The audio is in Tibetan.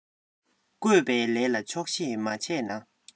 བཀོད པའི ལས ལ ཆོག ཤེས མ བྱས ན